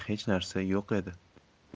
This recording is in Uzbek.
hech narsa yo'q edi